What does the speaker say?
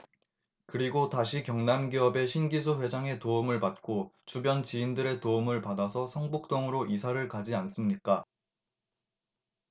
그리고 다시 경남기업의 신기수 회장의 도움을 받고 주변 지인들의 도움을 받아서 성북동으로 이사를 가지 않습니까